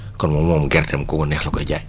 kon moo moom gerteem ku ko neex la koy jaay